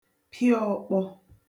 pịa ọ̀kpọ